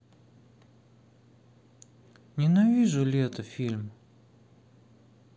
ненавижу лето фильм